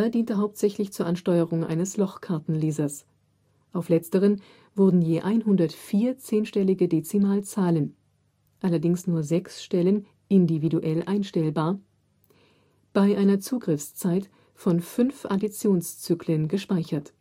diente hauptsächlich zur Ansteuerung eines Lochkartenlesers. Auf letzteren wurden je 104 zehnstellige Dezimalzahlen (allerdings nur sechs Stellen individuell einstellbar) bei einer Zugriffszeit von fünf Additionszyklen gespeichert